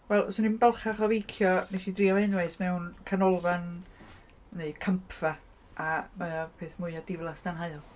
Wel, 'swn ni'm balchach o feicio, wnes i drio fo unwaith mewn canolfan neu campfa a mae o'r peth mwya diflas dan haul.